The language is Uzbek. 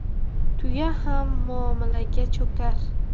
tuya ham muomalaga cho'kar